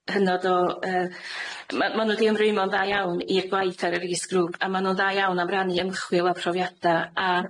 hynod o yy... Ma' ma' nw 'di ymrwymo'n dda iawn i'r gwaith ar yr is-grŵp, a ma' nw'n dda iawn am rannu ymchwil a profiada a